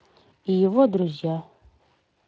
и его друзья